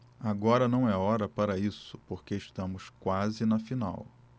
agora não é hora para isso porque estamos quase na final